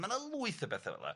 Ma' 'na lwyth o bethe fela.